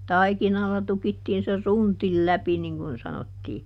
taikinalla tukittiin se suntin läpi niin kuin sanottiin